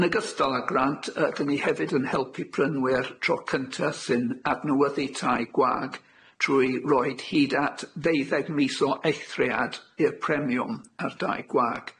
Yn ogystal â grant yy 'dyn ni hefyd yn helpu prynwyr tro cynta sy'n adnewyddu tai gwag trwy roid hyd at ddeuddeg mis o eithriad i'r premiwm ar dai gwag.